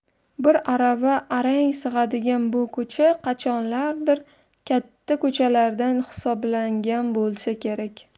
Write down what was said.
bir arava arang sig'adigan bu ko'cha qachonlardir katta ko'chalardan hisoblangan bo'lsa kerak